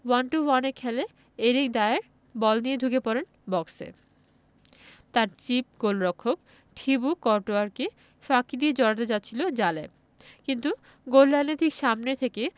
one two ওয়ানে খেলে Eric Dier ball নিয়ে ঢুকে পড়েন বক্সে তাঁর চিপ গোলরক্ষক থিবো কর্তোয়াকে ফাঁকি দিয়ে জড়াতে যাচ্ছিল জালে কিন্তু গোললাইনের ঠিক সামনে থেকে